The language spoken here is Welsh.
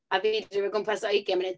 A fi'n dreifio o gwmpas tua ugain munud.